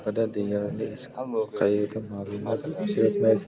haqida deyarli hech qayerda ma'lumot uchratmaysiz